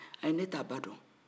ayi n t'a ba dɔn